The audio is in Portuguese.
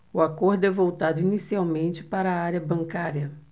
o acordo é voltado inicialmente para a área bancária